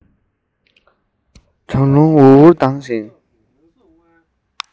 གྲང རླུང འུར འུར ལྡང བཞིན